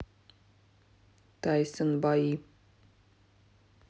тайсон бои